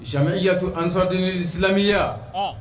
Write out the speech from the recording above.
Zanme i y'ato ansand silamɛmiya